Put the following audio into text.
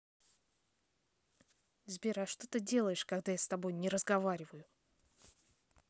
сбер а что ты делаешь когда я с тобой не разговариваю